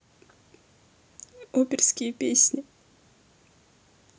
оперские песни